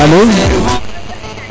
alo